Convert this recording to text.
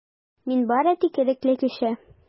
Мин бары тик ирекле кеше.